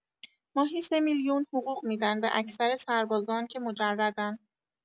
ماهی ۳ میلیون حقوق می‌دن به اکثر سربازان که مجردن